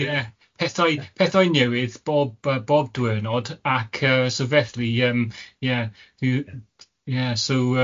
Ie pethau pethau newydd bob yy bob diwyrnod ac yy so felly yym ie ie so yy.